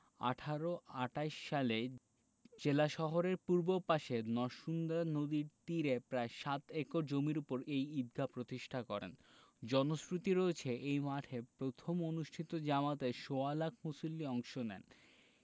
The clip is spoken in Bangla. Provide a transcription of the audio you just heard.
১৮২৮ সালে জেলা শহরের পূর্ব পাশে নরসুন্দা নদীর তীরে প্রায় সাত একর জমির ওপর এই ঈদগাহ প্রতিষ্ঠা করেন জনশ্রুতি রয়েছে এই মাঠে প্রথম অনুষ্ঠিত জামাতে সোয়া লাখ মুসল্লি অংশ নেন